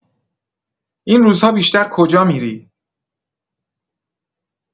این روزها بیشتر کجا می‌ری؟